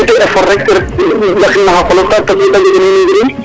Fi' ten tuti effort rek rek watin na xa qolof